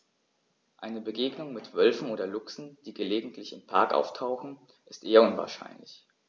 Eine Begegnung mit Wölfen oder Luchsen, die gelegentlich im Park auftauchen, ist eher unwahrscheinlich.